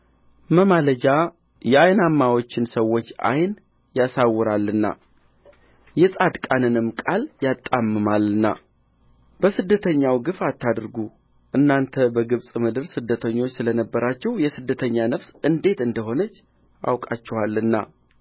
ማማለጃ የዓይናማዎችን ሰዎች ዓይን ያሳውራልና የጻድቃንንም ቃል ያጣምማልና በስደተኛው ግፍ አታድርጉ እናንተ በግብፅ ምድር ስደተኞች ስለ ነበራችሁ የስደተኛ ነፍስ እንዴት እንደ ሆነች አውቃችኋልና